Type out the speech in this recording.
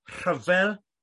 rhyfel